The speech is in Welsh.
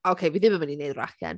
Oce fi ddim yn mynd i wneud yr acen.